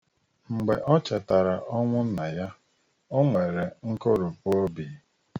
Mgbe o chetara ọnwụ nna ya, ọ nwere nkoropuobi.